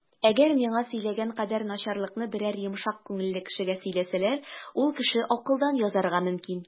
Әгәр миңа сөйләгән кадәр начарлыкны берәр йомшак күңелле кешегә сөйләсәләр, ул кеше акылдан язарга мөмкин.